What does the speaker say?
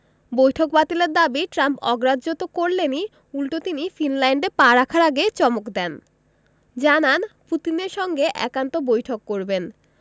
বৈঠক বাতিলের দাবি ট্রাম্প অগ্রাহ্য তো করলেনই উল্টো তিনি ফিনল্যান্ডে পা রাখার আগে চমক দেন জানান পুতিনের সঙ্গে একান্ত বৈঠক করবেন